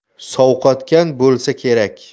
sovqotgan bo'lsa kerak